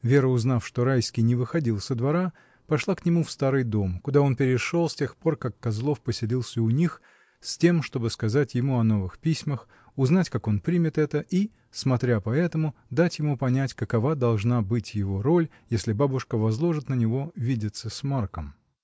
Вера, узнав, что Райский не выходил со двора, пошла к нему в старый дом, куда он перешел с тех пор, как Козлов поселился у них, с тем чтобы сказать ему о новых письмах, узнать, как он примет это, и, смотря по этому, дать ему понять, какова должна быть его роль, если бабушка возложит на него видеться с Марком.